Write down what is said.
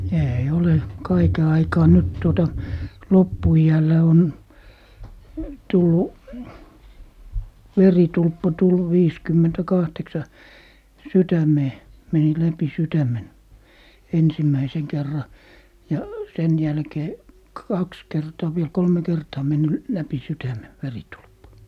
ei ole kaiken aikaa nyt tuota loppuiällä on tullut veritulppa tullut viisikymmentäkahdeksan sydämeen meni läpi sydämen ensimmäisen kerran ja sen jälkeen kaksi kertaa vielä kolme kertaa mennyt läpi sydämen veritulppa